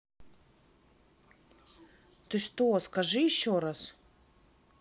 ты что скажи еще раз